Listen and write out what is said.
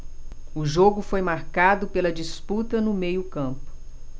o jogo foi marcado pela disputa no meio campo